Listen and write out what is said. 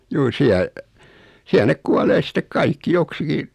juu siellä siellä ne kuolee sitten kaikki joksikin